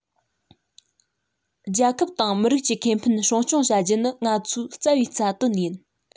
རྒྱལ ཁབ དང མི རིགས ཀྱི ཁེ ཕན སྲུང སྐྱོང བྱ རྒྱུ ནི ང ཚོའི རྩ བའི རྩ དོན ཡིན